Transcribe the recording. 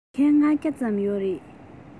དགེ རྒན ༥༠༠ ཙམ ཡོད རེད